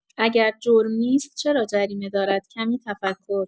اگر جرم نیست چرا جریمه دارد کمی تفکر